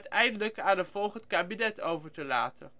uiteindelijk aan een volgend kabinet over te laten